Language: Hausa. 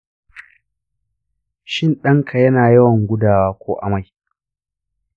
shin ɗan ka yana yawan gudawa ko amai?